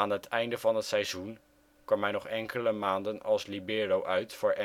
het einde van het seizoen kwam hij nog enkele maanden als libero uit voor